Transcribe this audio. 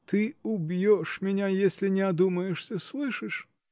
Ты убьешь меня, если не одумаешься, слышишь?